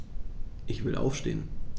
Ich will aufstehen.